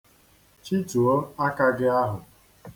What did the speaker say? Chịtuo aka gị ahụ?